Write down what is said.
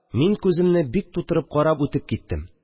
Мин күземне бик тутырып карап үтеп киттем